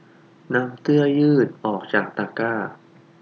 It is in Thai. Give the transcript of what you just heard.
นำเสื้อยืดออกจากตะกร้า